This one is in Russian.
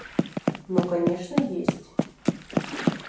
ну конечно есть